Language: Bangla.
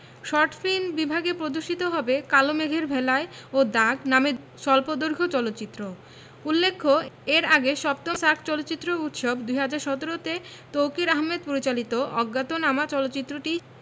শর্ট ফিল্ম বিভাগে প্রদর্শিত হবে কালো মেঘের ভেলায় ও দাগ নামের স্বল্পদৈর্ঘ চলচ্চিত্র উল্লেখ্য এর আগে ৭ম সার্ক চলচ্চিত্র উৎসব ২০১৭ তে তৌকীর আহমেদ পরিচালিত অজ্ঞাতনামা চলচ্চিত্রটি